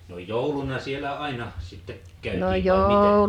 no jouluna siellä aina sitten käytiin vai miten